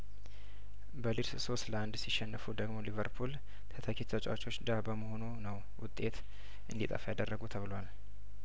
በሊድስ ሶስት ለአንድ ሲሸነፉ ደግሞ ሊቨርፑል ተተኪ ተጫዋቾች ደሀ መሆኑ ነው ውጤት እንዲጠፋ ያደረገው ተብሏል